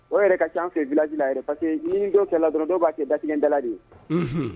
O yɛrɛ ka ca fɛijila a yɛrɛ paini kɛlɛ la dɔrɔn dɔw b'a datigɛdala de ye